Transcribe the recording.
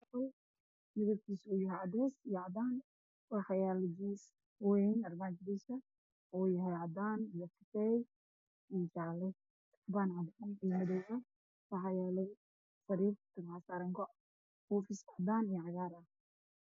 Waa qol midabkiisu uu yahay cadaan iyo cadeys, waxaa yaalo armaajooyin cadaan ah iyo jaale, sariir waxaa saaran go cadaan iyo cagaar ah.